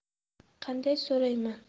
qanday so'rayman